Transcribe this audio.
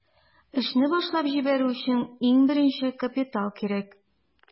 Эшне башлап җибәрү өчен иң беренче капитал кирәк.